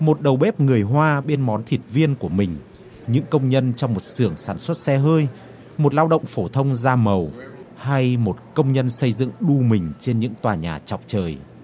một đầu bếp người hoa bên món thịt viên của mình những công nhân trong một xưởng sản xuất xe hơi một lao động phổ thông da màu hay một công nhân xây dựng đu mình trên những tòa nhà chọc trời